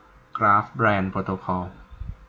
กราฟแบรนด์โปรโตคอล